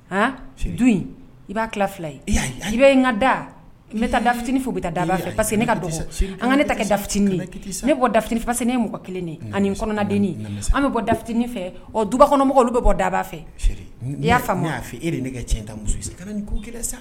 Du in i b'a fila i bɛ ka da n bɛ taa lafitinin fo bɛ taa da fɛseke ne ka an ka ne tatiniinin ne bɔ datfase ne mɔgɔ kelen ani kɔnɔnaden an bɛ bɔ datini fɛ dukɔnɔmɔgɔw olu bɛ bɔ daba fɛ n'i y'a e ne